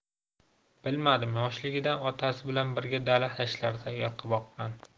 bilmadim yoshligidan otasi bilan birga dala dashtlarda yilqi boqqan